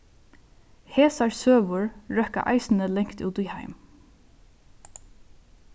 hesar søgur røkka eisini langt út í heim